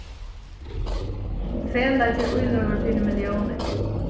felag ger íløgur fyri milliónir